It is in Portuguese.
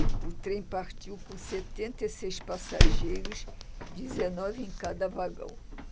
o trem partiu com setenta e seis passageiros dezenove em cada vagão